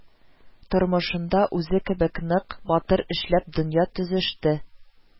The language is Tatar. Тормышында үзе кебек нык, батыр эшләп дөнья төзеште